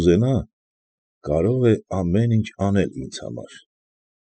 Ուզենա, կարող է ամեն ինչ անել ինձ համար։